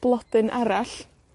blodyn arall.